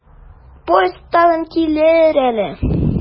Поезд тагын килер әле.